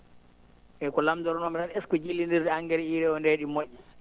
eeyi ko lamdotonoomi tan est ce que jillinndirde engrais UREE oo ndee ɗi moƴƴi